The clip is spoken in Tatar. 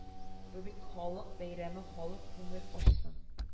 Бу бит халык бәйрәме халык күңел ачсын